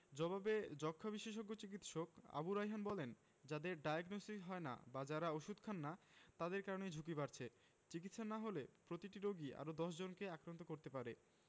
জবাবে যক্ষ্মা বিশেষজ্ঞ চিকিৎসক আবু রায়হান বলেন যাদের ডায়াগনসিস হয় না বা যারা ওষুধ খান না তাদের কারণেই ঝুঁকি বাড়ছে চিকিৎসা না হলে প্রতিটি রোগী আরও ১০ জনকে আক্রান্ত করাতে পারে